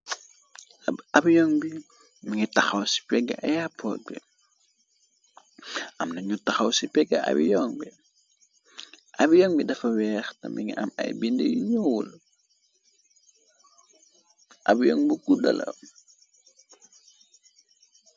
Abiyoŋg bi mi nga taxaw ci peg ayapoot bi amnañu taxaw ci aviyoŋg bi dafa weex te minga am ay binde yu ñoo wul ab yong bu guddala.